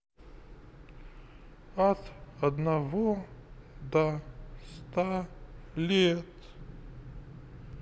от одного до ста лет